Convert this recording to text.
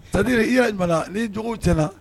Sa i' j ni jɔnw tiɲɛna